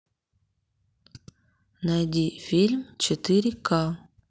найди фильм четыре ка